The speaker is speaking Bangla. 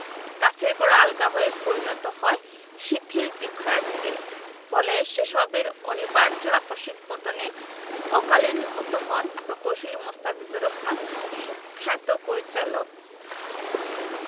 গাছের গোড়া আলগা হয়ে পরিণত হয় শিথিল বৃক্ষরাজিতে ফলে সে সবের অনিবার্য আকস্মিক পতনে অকালে নিহত হন প্রকৌশলী মোস্তাফিজুর সুখ্যাত চলচ্চিত্র পরিচালক